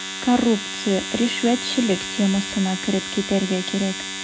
Коррупция, ришвәтчелек темасына кереп китәргә кирәк.